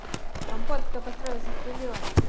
компот кто построил застрелила